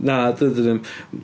Na dydyn nhw'm.